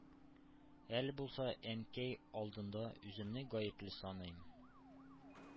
Әле булса әнкәй алдында үземне гаепле саныйм.